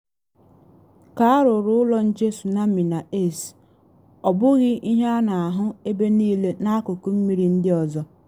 Ka arụrụ ụlọ nche tsunami na Aceh, ọ bụghị ihe a na ahụ ebe niile n’akụkụ mmiri ndị ọzọ.